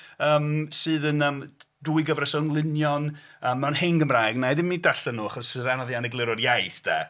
Yym sydd yn yym dwy gyfres o englynion mewn hen Gymraeg. Wna'i ddim eu darllen nhw achos bysai'n anodd iawn disgrifio'r iaith 'de.